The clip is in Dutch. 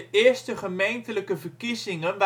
eerste gemeentelijke verkiezingen